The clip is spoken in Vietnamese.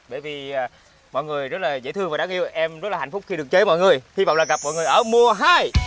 bởi vì mọi người rất là dễ thương và đáng yêu em rất là hạnh phúc khi được chơi với mọi người hi vọng là gặp mọi người ở mùa hai